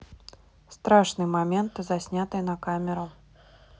страшные моменты заснятые на камеру